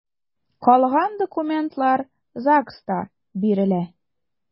Калган документлар ЗАГСта бирелә.